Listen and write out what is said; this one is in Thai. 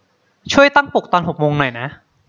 ช่วยตั้งปลุกตอนหกโมงหน่อยนะ